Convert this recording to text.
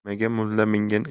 nimaga mulla mingan